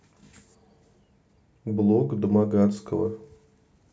блок домогатского